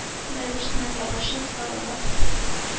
Бер-берсенә ябышып, сарылып.